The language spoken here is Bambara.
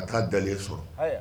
A ka taa dalen sɔrɔ